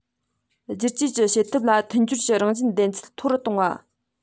བསྒྱུར བཅོས ཀྱི བྱེད ཐབས ལ མཐུན སྦྱོར གྱི རང བཞིན ལྡན ཚད མཐོ རུ བཏང བ